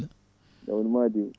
jaam woni Madiw